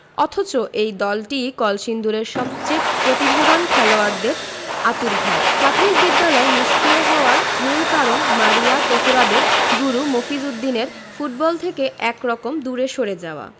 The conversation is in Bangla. অথচ এই দলটিই কলসিন্দুরের সবচেয়ে প্রতিভাবান খেলোয়াড়দের আঁতুড়ঘর প্রাথমিক বিদ্যালয় নিষ্ক্রিয় হওয়ার মূল কারণ মারিয়া তহুরাদের গুরু মফিজ উদ্দিনের ফুটবল থেকে একরকম দূরে সরে যাওয়া